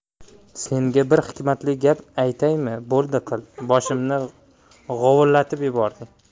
senga bir hikmatli gap aytaymi bo'ldi qil boshimni g'ovlatib yubording